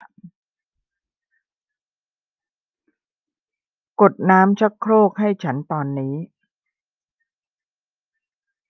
กดน้ำชักโครกให้ฉันตอนนี้